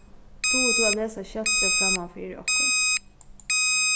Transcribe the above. dugir tú at lesa skeltið framman fyri okkum